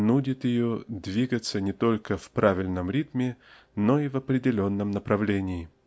нудит ее двигаться не только в правильном ритме но в определенном направлении.